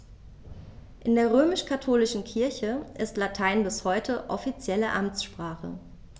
In der römisch-katholischen Kirche ist Latein bis heute offizielle Amtssprache.